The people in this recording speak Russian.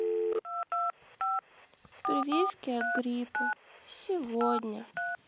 прививки от гриппа сегодня